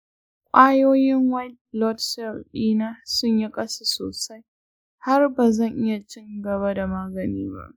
kwayoyin white blood cells dina sun yi ƙasa sosai har ba zan iya ci gaba da magani ba.